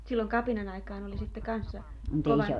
silloin kapinan aikaan oli sitten kanssa kova